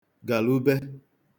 gàlube